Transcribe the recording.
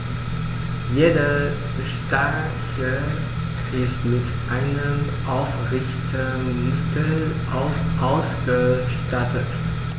Jeder Stachel ist mit einem Aufrichtemuskel ausgestattet.